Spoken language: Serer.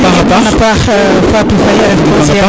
i ngid man a paax Fatou Faye a ref conseillere